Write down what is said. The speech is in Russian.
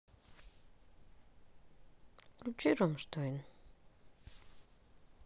включи раммштайн